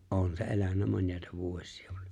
on se elänyt monia vuosia